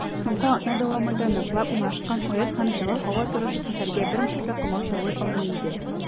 Соңгы атна дәвамында ныклап урнашкан аяз һәм җылы һава торышы сәфәргә берничек тә комачаулый алмый иде.